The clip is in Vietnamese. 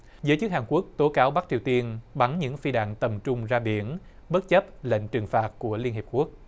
giới chức hàn quốc tố cáo bắc triều tiên bắn những phi đạn tầm trung ra biển bất chấp lệnh trừng phạt của liên hiệp quốc